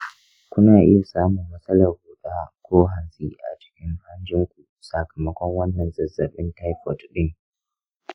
kuna iya samun matsalar huda ko hantsi a cikin hanjin ku sakamakon wannan zazzabin taifot ɗin.